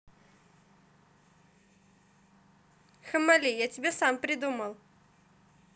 hammali я тебя сам придумал